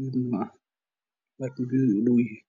midna dhanka guduud ayay u dhow yihiin